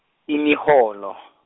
imiholo.